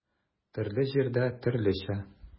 Төрле җирдә төрлечә.